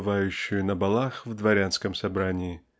бывающую на балах в дворянском собрании.